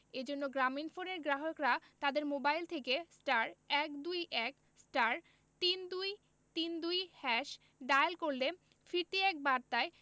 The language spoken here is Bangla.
এ জন্য গ্রামীণফোনের গ্রাহকরা তাদের মোবাইল থেকে *১২১*৩২৩২# ডায়াল করলে ফিরতি এক বার্তায়